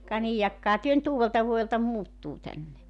ka niin jahkahan te nyt uudeltavuodelta muuttuu tänne